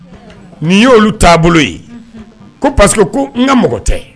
Nin y ye olu taabolo ye ko pa ko n ka mɔgɔ tɛ